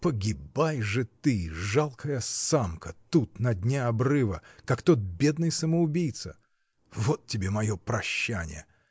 Погибай же ты, жалкая самка, тут, на дне обрыва, как тот бедный самоубийца! Вот тебе мое прощание!.